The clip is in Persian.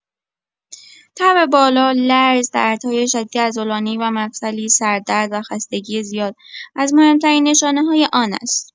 تب بالا، لرز، دردهای شدید عضلانی و مفصلی، سردرد و خستگی زیاد از مهم‌ترین نشانه‌های آن است.